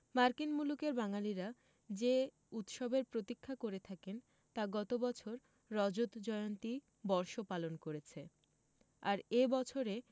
মার্কিন মুলুকের বাঙালিরা যে উৎসবের প্রতীক্ষা করে থাকেন তা গত বছর রজতজয়ন্তী বর্ষ পালন করেছে আর এবছরে